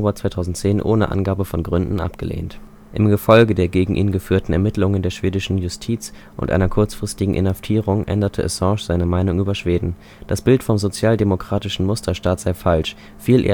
2010 ohne Angabe von Gründen abgelehnt. Im Gefolge der gegen ihn geführten Ermittlungen der schwedischen Justiz und seiner kurzfristigen Inhaftierung änderte Assange seine Meinung über Schweden: Das Bild vom sozialdemokratischen Musterstaat sei falsch, viel